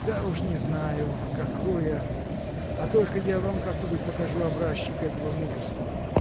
— Да уж не знаю какое, а только я вам как-нибудь покажу образчик этого мужества.